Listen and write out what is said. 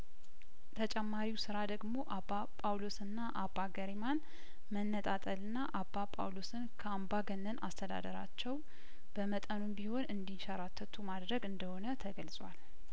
ተጨማሪው ስራ ደግሞ አባ ጳውሎስና አባ ገሪማን መነጣጠልና አባ ጳውሎስን ከአምባገነን አስተዳደራቸው በመጠኑም ቢሆን እንዲንሸራተቱ ማድረግ እንደሆነ ተገልጿል